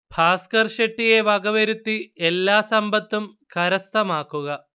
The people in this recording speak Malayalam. ഭാസ്ക്കർ ഷെട്ടിയെ വക വരുത്തി എല്ലാ സമ്പത്തും കരസ്ഥമാക്കുക